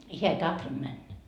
hän ei tahtonut mennä